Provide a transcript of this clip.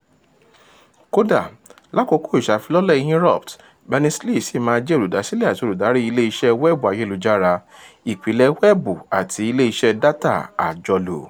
Kódà lákòókò ìṣàfilọ́lẹ̀ Inrupt, Berners-Lee sì máa jẹ́ Olùdásílẹ̀ àti Olùdarí ilé iṣẹ́ wẹ́ẹ̀bù ayélujára, ìpìlẹ̀ Wẹ́ẹ̀bù àti ilé iṣẹ́ Dátà Àjọlò.